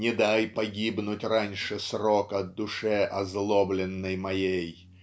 Не дай погибнуть раньше срока Душе озлобленной моей